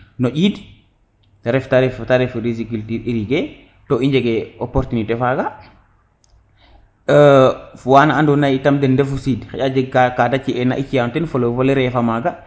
no ƴind te ref resiculture eridier to i njege opportuniter faga wana ando naye itam den ndefu siid xaƴa a jeg kate ci ena to i ciyano ten fleuve ole refa maga